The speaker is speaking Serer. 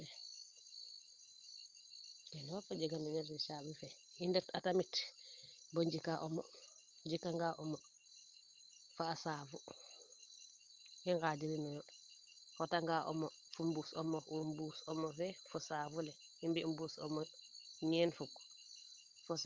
kene fop a jega mene i ndet a tamit bo njika omo njika nga omo fa a saafu i ngaanj rinoyo xota nga omo fo mbuus omo fee fo saafu le i mbi mbuus omo ñeen fukk